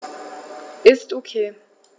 Ist OK.